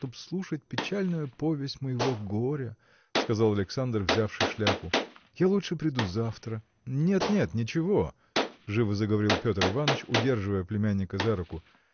чтоб слушать печальную повесть моего горя – сказал Александр взявши шляпу – я лучше приду завтра. – Нет нет ничего – живо заговорил Петр Иваныч удерживая племянника за руку